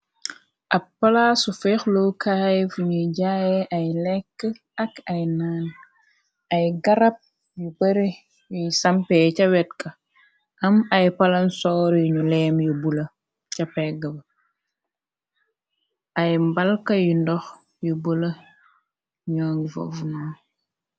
ab palaasu feexlo kayv ñuy jaaye ay léke ak ay naan ay garab yu bare yu sampee cah wetga am ay palansoor yuñu leem yu bula cah pegu ba ay mbalka yu ndox yu bula njongi foofu